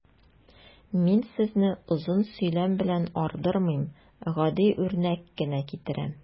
Мин сезне озын сөйләм белән ардырмыйм, гади үрнәк кенә китерәм.